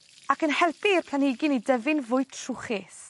Ac yn helpu i'r planhigyn i dyfu'n fwy trwchus.